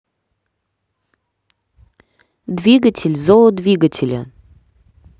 двигатель зоо двигателя